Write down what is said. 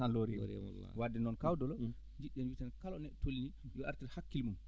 an loori wadde noon kaw Doulo jiɗɗen wiide tan kala ɗo neɗɗo tolnii yo artir hakkile mum